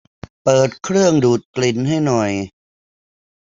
เปิดเครื่องดูดกลิ่นให้หน่อย